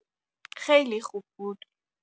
خیلی خوب بود.